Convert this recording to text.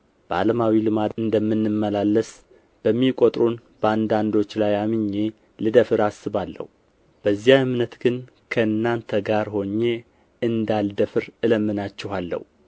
በዓለማዊ ልማድ እንደምንመላለስ በሚቆጥሩን በአንዳንዶች ላይ አምኜ ልደፍር አስባለሁ በዚያ እምነት ግን ከእናንተ ጋር ሆኜ እንዳልደፍር እለምንችኋለሁ